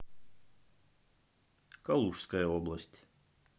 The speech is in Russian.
калужская область